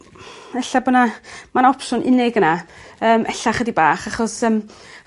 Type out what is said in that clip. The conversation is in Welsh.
ella bo' 'na ma' 'na opsiwn unig yna yym ella chydig bach achos yym